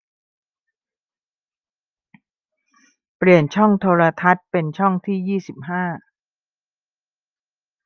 เปลี่ยนช่องโทรทัศน์เป็นช่องที่ยี่สิบห้า